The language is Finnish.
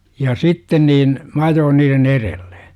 ja sitten niin minä ajoin niiden edelle